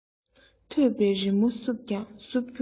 ཐོད པའི རི མོ བསུབས ཀྱང ཟུབ རྒྱུ མེད